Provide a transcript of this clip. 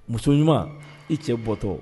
Muso ɲuman i cɛ bɔtɔ